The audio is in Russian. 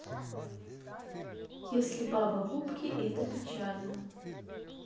если баба кубки это печально